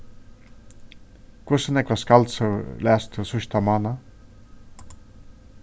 hvussu nógvar skaldsøgur las tú síðsta mánað